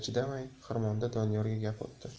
chidamay xirmonda doniyorga gap otdi